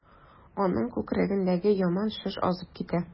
Аның күкрәгендәге яман шеш азып китә.